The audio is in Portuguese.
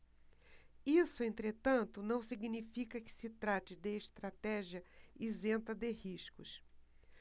isso entretanto não significa que se trate de estratégia isenta de riscos